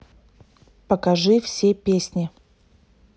покажи все песни